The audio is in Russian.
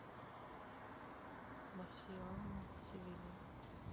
барселона севилья